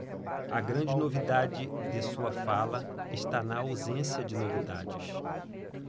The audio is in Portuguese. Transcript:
a grande novidade de sua fala está na ausência de novidades